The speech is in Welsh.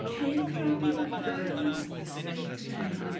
Cyn Robbie McBride, Ray Gravell.